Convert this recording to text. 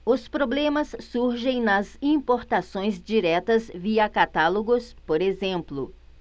os problemas surgem nas importações diretas via catálogos por exemplo